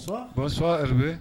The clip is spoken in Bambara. Bosɔn bi